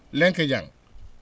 Lenkeja?